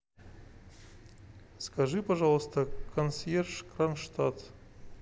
скажи пожалуйста консьерж кронштадт